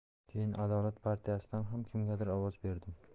keyin adolat partiyasidan ham kimgadir ovoz berdim